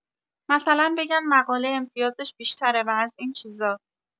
مثلا بگن مقاله امتیازش بیشتره و ازین چیزا